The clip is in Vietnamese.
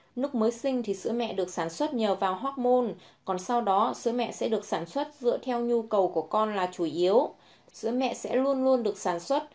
lúc mới sinh thì sữa mẹ được sản xuất nhờ vào hoocmon còn sau đó sữa mẹ sẽ được sản xuất dựa theo nhu cầu của con là chủ yếu sữa mẹ sẽ luôn luôn được sản xuất